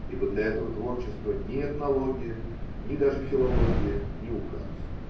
Ибо для этого творчества ни этнология, ни даже филология не указ.